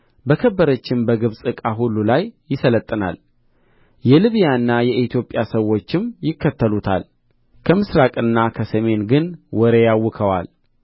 በከበረችም በግብጽ ዕቃ ሁሉ ላይ ይሠለጥናል የልብያና የኢትዮጵያ ሰዎችም ይከተሉታል ከምሥራቅና ከሰሜን ግን ወሬ ያውከዋል